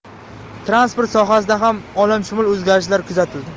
transport sohasida ham olamshumul o'zgarishlar kuzatildi